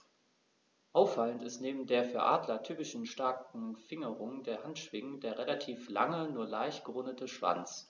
Auffallend ist neben der für Adler typischen starken Fingerung der Handschwingen der relativ lange, nur leicht gerundete Schwanz.